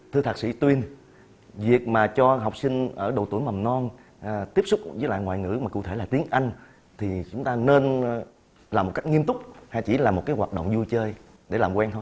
thưa thạc sĩ tuyên việc mà cho học sinh ở độ tuổi mầm non tiếp xúc với lại ngoại ngữ mà cụ thể là tiếng anh thì chúng ta nên là một cách nghiêm túc hay chỉ là một hoạt động vui chơi để làm quen thôi